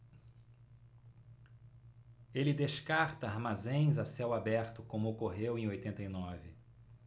ele descarta armazéns a céu aberto como ocorreu em oitenta e nove